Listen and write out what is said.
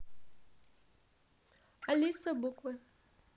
алиса буквы